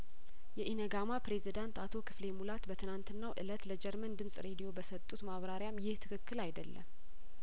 የኢነጋማ ፕሬዚዳንት አቶ ክፍሌ ሙላት በትናንትናው እለት ለጀርመን ድምጽ ሬዲዮ በሰጡት ማብራሪያም ይሄ ትክክል አይደለም